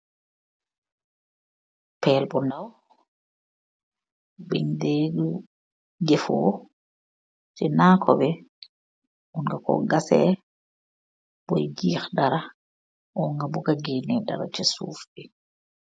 Pehll bu ndaw, bungh dae jehfor ci nakor bii, mun nga kor gasehh boiiy ggiiih dara or nga buga geneh dara chi suff bii.